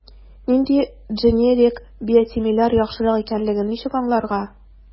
Нинди дженерик/биосимиляр яхшырак икәнлеген ничек аңларга?